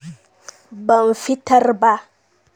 Ban fitar ba.”